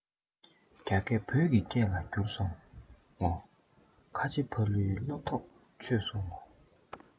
རྒྱ སྐད བོད ཀྱི སྐད ལ འགྱུར སོང ངོ ཁ ཆེ ཕ ལུའི བློ ཐག ཆོད སོང ངོ